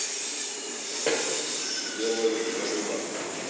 где ловится рыба